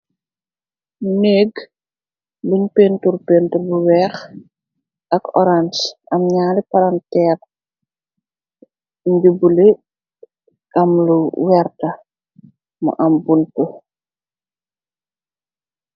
Néeg buñ pentur pentr bu weex ak orange am ñaali paranteer nji bule kam lu werta mu am bunt.